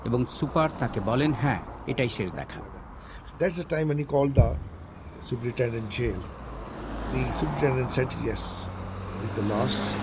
এবং সুপার তাকে বলেন হ্যাঁ এটাই শেষ দেখা there's the time he called the superintendent in jail the superintendent said yes this is the last